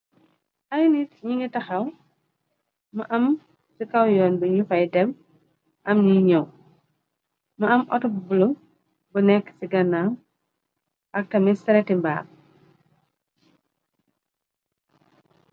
Ay nit ñi ngi taxaw ma am ci kaw yoon biñu fay dem am ñiy ñëw ma am atoblo bu nekk ci gannaaw ak tami ceretimbaam.